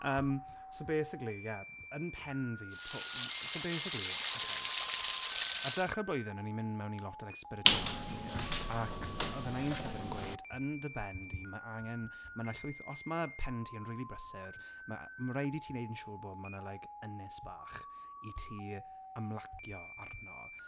Um so basically, yeah, yn pen fi, po-... so basically, okay, ar dechrau'r blwyddyn o'n i'n mynd mewn i lot o, like, spirituality, ac oedd yna un llyfyr yn gweud, yn dy ben di, ma' angen... ma' 'na llwyth o... os ma' pen ti yn rili brysur, ma' ma' raid i ti neud yn siŵr bod ma' 'na, like, ynys bach i ti ymlacio arno.